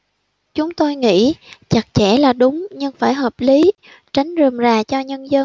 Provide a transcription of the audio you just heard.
chúng tôi nghĩ chặt chẽ là đúng nhưng phải hợp lý tránh rườm rà cho nhân dân